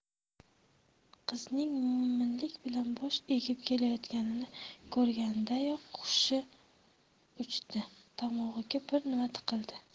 qizining mo''minlik bilan bosh egib kelayotganini ko'rganidayoq hushi uchdi tomog'iga bir nima tiqildi